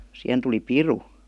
siihen tuli piru